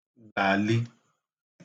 gbàli